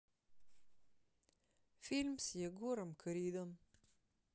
фильм с егором кридом